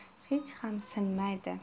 endi hech ham sinmaydi